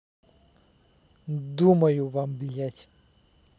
думаю вам блядь